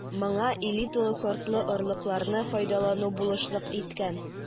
Моңа элиталы сортлы орлыкларны файдалану булышлык иткән.